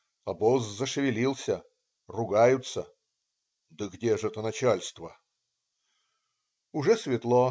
Обоз зашевелился, ругаются: "Да где же это начальство!. " Уже светло.